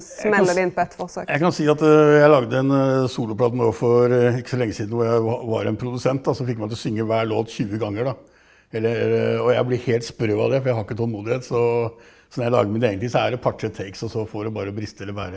jeg kan jeg kan si at jeg lagde en soloplate nå for ikke så lenge siden hvor jeg var en produsent da som fikk meg til å synge hver låt 20 ganger da, eller og jeg blir helt sprø av det for jeg har ikke tålmodighet, så så når jeg lager mine egne ting så er det par tre takes også får det bare briste eller bære.